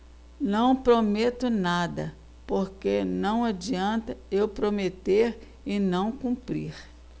não prometo nada porque não adianta eu prometer e não cumprir